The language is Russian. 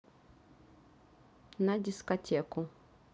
на дискотеку